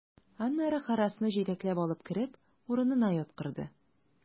Аннары Харрасны җитәкләп алып кереп, урынына яткырды.